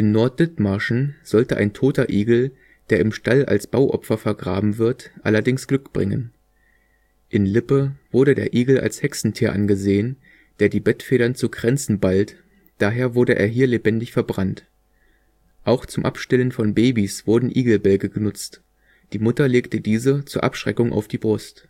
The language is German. Nord-Dithmarschen sollte ein toter Igel, der im Stall als Bauopfer vergraben wird, allerdings Glück bringen. In Lippe wurde der Igel als Hexentier angesehen, der die Bettfedern zu Kränzen ballt, daher wurde er hier lebendig verbrannt. Auch zum Abstillen von Babys wurden Igelbälge genutzt, die Mutter legte diese zur Abschreckung auf die Brust